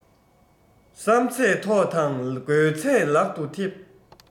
བསམ ཚད ཐོག དང དགོས ཚད ལག ཏུ ཐེབས